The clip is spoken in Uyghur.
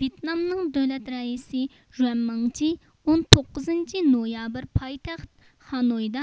ۋيېتنامنىڭ دۆلەت رەئىسى رۇەنمىڭجې ئون توققۇزىنچى نويابىر پايتەخت خانويدا